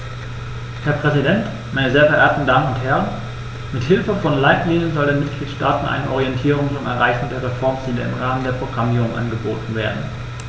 Herr Präsident, meine sehr verehrten Damen und Herren, mit Hilfe von Leitlinien soll den Mitgliedstaaten eine Orientierung zum Erreichen der Reformziele im Rahmen der Programmierung angeboten werden.